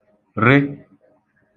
-rị